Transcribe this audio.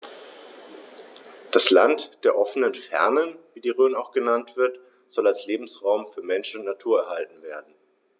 Das „Land der offenen Fernen“, wie die Rhön auch genannt wird, soll als Lebensraum für Mensch und Natur erhalten werden.